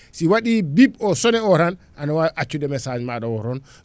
si waɗi bip o sone o tan anawawi accude maɗa o toon